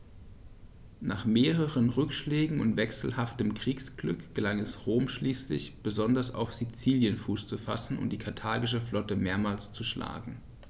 Nach mehreren Rückschlägen und wechselhaftem Kriegsglück gelang es Rom schließlich, besonders auf Sizilien Fuß zu fassen und die karthagische Flotte mehrmals zu schlagen.